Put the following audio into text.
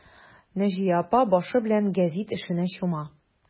Наҗия апа башы белән гәзит эшенә чума.